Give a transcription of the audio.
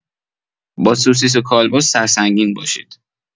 با سوسیس و کالباس سرسنگین باشید.